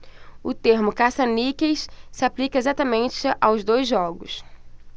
o termo caça-níqueis se aplica exatamente aos dois jogos